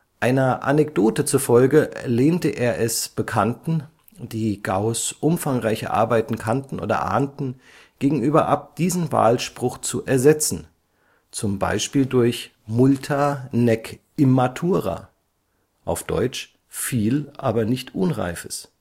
Einer Anekdote zufolge lehnte er es Bekannten, die Gauß’ umfangreiche Arbeiten kannten oder ahnten, gegenüber ab, diesen Wahlspruch zu ersetzen, z. B. durch „ Multa nec immatura “(deutsch: „ Viel, aber nicht Unreifes